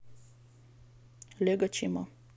лего чима